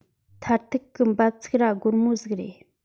མཐར ཐུག གི འབབ ཚིགས ར སྒོར མོ ཟིག རེད